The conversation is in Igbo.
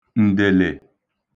ǹdèlè